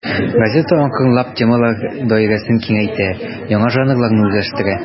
Газета акрынлап темалар даирәсен киңәйтә, яңа жанрларны үзләштерә.